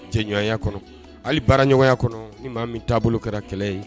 Cɛɲɔgɔnya kɔnɔ hali baraɲɔgɔnya kɔnɔ min taabolo kɛra kɛlɛ ye